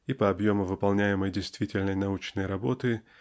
и по объему выполняемой действительной научной работы